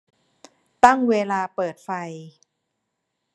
ตั้งเวลาเปิดไฟ